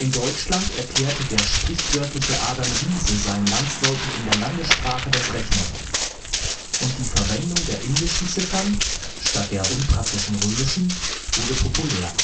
Deutschland erklärte der sprichwörtliche Adam Ries (e) seinen Landsleuten in der Landessprache das Rechnen, und die Verwendung der indischen Ziffern statt der unpraktischen römischen wurde populär